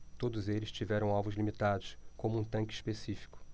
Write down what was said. todos eles tiveram alvos limitados como um tanque específico